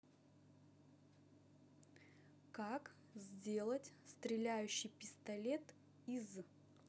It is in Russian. как сделать стреляющий пистолет из